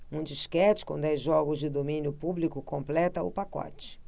um disquete com dez jogos de domínio público completa o pacote